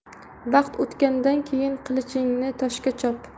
vaqt o'tgandan keyin qilichingni toshga chop